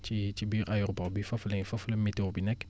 ci ci biir aéroport bi foofu la ñu foofu la météo bi nekk